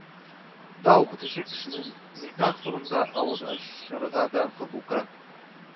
Да укытучы кешенең никах турында авыз ачырга да хокукы